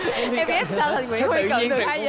em ghét sao thành nguyễn huy được hay dậy